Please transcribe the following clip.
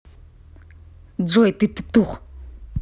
джой ты питух